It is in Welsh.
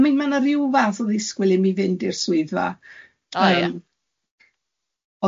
Ma- ma' 'na ryw fath o ddisgwyl i mi fynd i'r swyddfa yym... O ia...